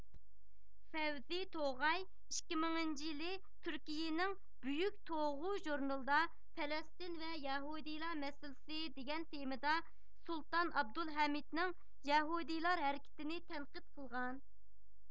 فەۋزى توغاي ئىككى مىڭىنچى يىلى تۈركىيىنىڭ بۈيۈك توغۇ ژۇرنىلىدا پەلەستىن ۋە يەھۇدىيلار مەسىلىسى دېگەن تېمىدا سۇلتان ئابدۇلھەمىدنىڭ يەھۇدىيلار ھەرىكىتىنى تەنقىد قىلغان